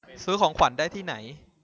ซื้อของขวัญได้ที่ไหน